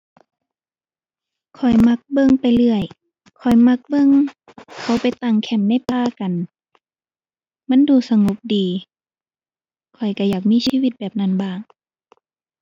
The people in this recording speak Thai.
ข้อยมักเบิ่งไปเรื่อย ข้อยมักเบิ่งเขาไปตั้งแคมป์ในป่ากัน มันดูสงบดี ข้อยก็อยากมีชีวิตแบบนั้นบ้าง